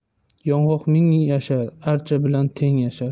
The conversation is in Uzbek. yong'oq ming yashar archa bilan teng yashar